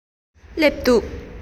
སླེབས འདུག